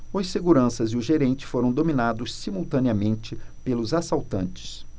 os seguranças e o gerente foram dominados simultaneamente pelos assaltantes